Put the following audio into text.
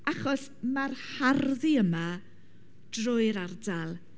Achos ma'r harddu yma drwy'r ardal.